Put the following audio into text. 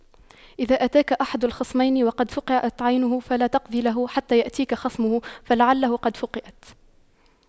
إذا أتاك أحد الخصمين وقد فُقِئَتْ عينه فلا تقض له حتى يأتيك خصمه فلعله قد فُقِئَتْ عيناه